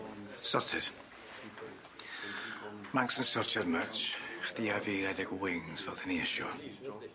Sorted! Mancs yn sortio'r merch, chdi a fi redeg y wings fel 'dan ni isio.